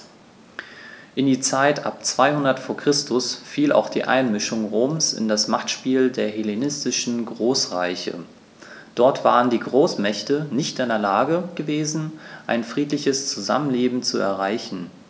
In die Zeit ab 200 v. Chr. fiel auch die Einmischung Roms in das Machtspiel der hellenistischen Großreiche: Dort waren die Großmächte nicht in der Lage gewesen, ein friedliches Zusammenleben zu erreichen.